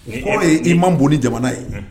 O kɔrɔ ye i mabon ni jamana ye